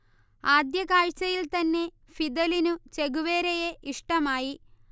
ആദ്യ കാഴ്ചയിൽ തന്നെ ഫിദെലിനു ചെഗുവേരയെ ഇഷ്ടമായി